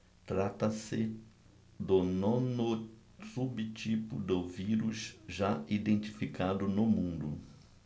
trata-se do nono subtipo do vírus já identificado no mundo